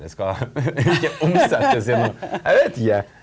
det skal ikke omsettes i noe jeg vet ikke.